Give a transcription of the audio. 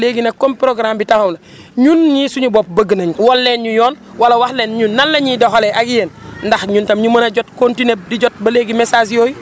léegi nag comme programme bi taxaw nag ñun ñii suñu bopp bëgg nañ ko wan leen ñu yoon wala wax leen ñun lan la ñuy doxalee ak yéen ndax ñun tam ñu mën a jot continuer di jot ba léegi message yooyu